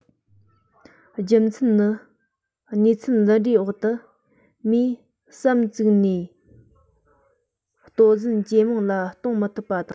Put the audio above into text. རྒྱུ མཚན ནི གནས ཚུལ འདི འདྲའི འོག ཏུ མིས བསམ བཙུགས ནས ལྟོ ཟན ཇེ མང ལ གཏོང མི ཐུབ པ དང